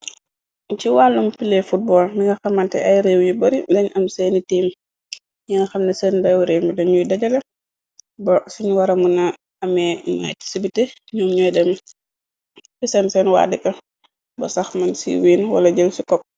ci wàllum pile footboll ninga xamante ay réew yi bari dañ am seeni tiim yan xal na seen daw réew bi dañuy dajale bsuñu wara muna amee maat ci bite ñoom ñoy dem pisan seen waadika ba sax mën ci wiin wala jër ci kopp.